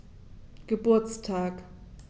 Geburtstag